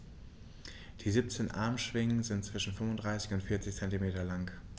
Die 17 Armschwingen sind zwischen 35 und 40 cm lang.